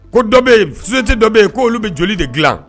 Ko dɔ yen sute dɔ bɛ yen ko olu bɛ joli de dilan